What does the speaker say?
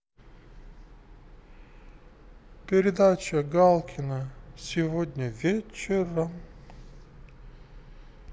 передача галкина сегодня вечером